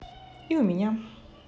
и у меня